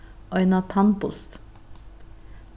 eina tannbust